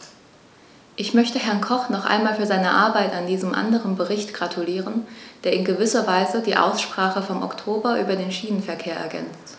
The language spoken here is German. Ich möchte Herrn Koch noch einmal für seine Arbeit an diesem anderen Bericht gratulieren, der in gewisser Weise die Aussprache vom Oktober über den Schienenverkehr ergänzt.